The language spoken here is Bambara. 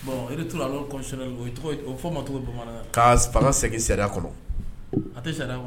Bon tun fɔ ma tɔgɔ bamanan ka fanga segin sariya kɔnɔ a tɛ sariya